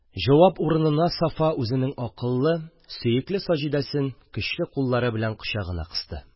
Җавап урынына Сафа үзенең акыллы, сөекле Саҗидәсен көчле куллары белән кочагына кысты.